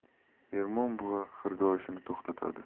ermon buva xirgoyisini to'xtatadi